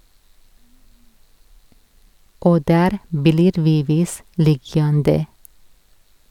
Og der blir vi visst liggjande ...